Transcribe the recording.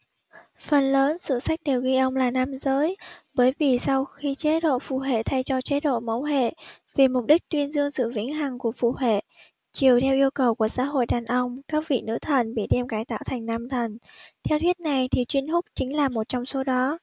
phần lớn sử sách đều ghi ông là nam giới bởi vì sau khi chế độ phụ hệ thay cho chế độ mẫu hệ vì mục đích tuyên dương sự vĩnh hằng của phụ hệ chiều theo yêu cầu của xã hội đàn ông các vị nữ thần bị đem cải tạo thành nam thần theo thuyết này thì chuyên húc chính là một trong số đó